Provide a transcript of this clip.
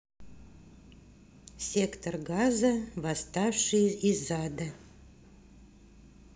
сектор газа восставшие из ада